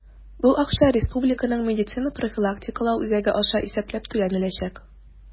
Бу акча Республиканың медицина профилактикалау үзәге аша исәпләп түләнеләчәк.